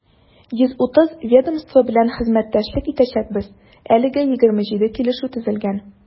130 ведомство белән хезмәттәшлек итәчәкбез, әлегә 27 килешү төзелгән.